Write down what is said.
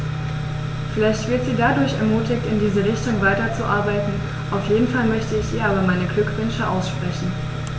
Vielleicht wird sie dadurch ermutigt, in diese Richtung weiterzuarbeiten, auf jeden Fall möchte ich ihr aber meine Glückwünsche aussprechen.